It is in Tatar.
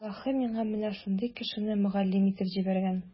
Аллаһы миңа менә шундый кешене мөгаллим итеп җибәргән.